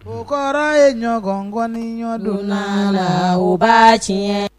O kɔrɔ ye ɲɔgɔn nkɔni ɲɔdon la la baasi tiɲɛ